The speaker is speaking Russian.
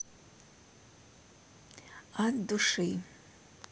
от души